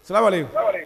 Sirabali